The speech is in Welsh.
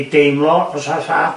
i deimlo osa fat